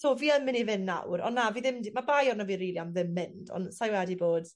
so fi yn myn' i fynd nawr on' na fi ddim 'di... Ma' bai arno fi rili am ddim mynd ond sai wedi bod...